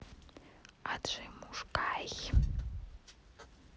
аджимушкай